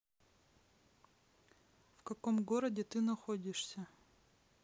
в каком городе ты находишься